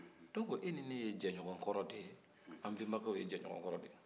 ola e ni ne ye jɛɲɔgɔn kɔrɔ ye an benbaw ye jɛɲɔgɔn kɔrɔw ye